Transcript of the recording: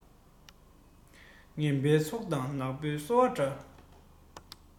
ངན པའི ཚོགས དང ནག པོའི སོལ བ འདྲ